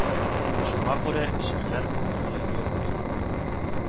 Шуңа күрә шәһәр күперләргә бай